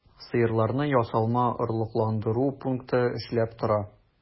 Сыерларны ясалма орлыкландыру пункты эшләп тора.